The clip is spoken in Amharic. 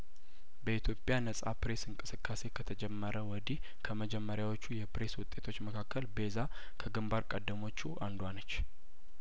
በኢትዮጵያ ነጻ ፕሬስ እንቅስቃሴ ከተጀመረ ወዲህ ከመጀመሪያዎቹ የፕሬስ ውጤቶች መካከል ቤዛ ከግንባር ቀደሞቹ አንዷነች